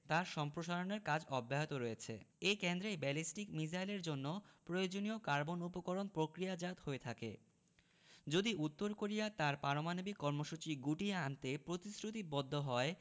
তার সম্প্রসারণের কাজ অব্যাহত রয়েছে এই কেন্দ্রেই ব্যালিস্টিক মিযাইলের জন্য প্রয়োজনীয় কার্বন উপকরণ প্রক্রিয়াজাত হয়ে থাকে যদি উত্তর কোরিয়া তার পারমাণবিক কর্মসূচি গুটিয়ে আনতে প্রতিশ্রুতিবদ্ধ হয়